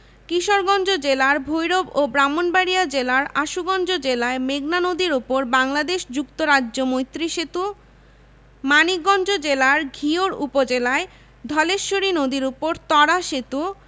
মুদ্রাঃ টাকা ১০০ পয়সায় ১ টাকা জুন ২০০৯ এর তথ্য অনুযায়ী ৬৮ টাকা ৯৪ পয়সা = ১ মার্কিন ডলার